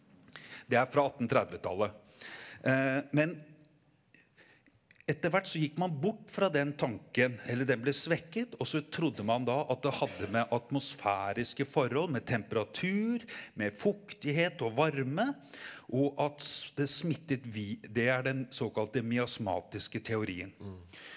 det er fra attentrettitallet men etter hvert så gikk man bort fra den tanken, eller den ble svekket og så trodde man da at det hadde med atmosfæriske forhold, med temperatur, med fuktighet og varme og at det smittet det er den såkalte miasmatiske teorien.